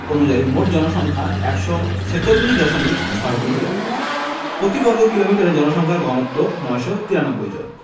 অনুযায়ী মোট জনসংখ্যা ১৪৬দশমিক ৬ মিলিয়ন প্রতি বর্গ কিলোমিটারে জনসংখ্যার ঘনত্ব ৯৯৩ জন